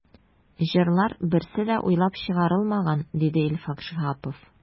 “җырлар берсе дә уйлап чыгарылмаган”, диде илфак шиһапов.